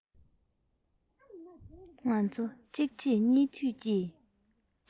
ང ཚོ གཅིག རྗེས གཉིས མཐུད ཀྱིས